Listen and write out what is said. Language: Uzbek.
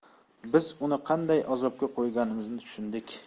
biz uni qanday azobga qo'yganimizni tushundik